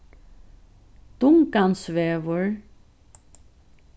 dungansvegur